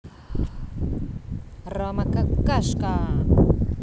roma какашка